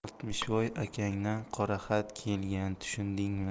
oltmishvoy akangdan qoraxat kelgan tushundingmi